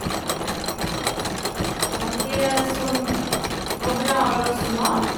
Det som var bra, var også mat.